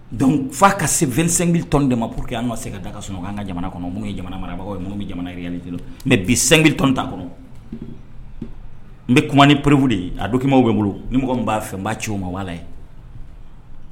Dɔnku fa'a ka sesenli tɔn de ma ppur anan ka se ka da ka soɔgɔ an ka jamana kɔnɔ minnu ye jamana marabagaw ye minnu bɛ jamana mɛ bi senli tɔn ta kɔnɔ n bɛ kuma ni purp de ye a donkiw bɛ n bolo ni n b'a fɛ n'a cɛw o ma wala